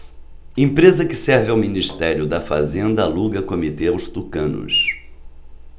empresa que serve ao ministério da fazenda aluga comitê aos tucanos